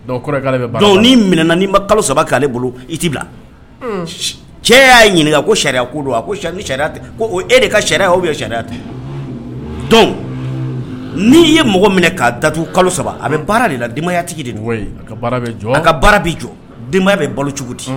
' minɛ'i ma kalo saba k'ale bolo i bila cɛ y'a ɲininka ko sariya a sariya e de ka sariya sariya tɛ don n'i ye mɔgɔ minɛ k kaa da kalo saba a bɛ baara de la denbayaya tigi de bɛ jɔ a ka baara bɛ jɔ denbaya bɛ balo cogo di